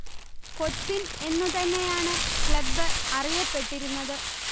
കൊച്ചിൻ എന്നു തന്നെയാണ് ക്ലബ് അറിയപ്പെട്ടിരുന്നത്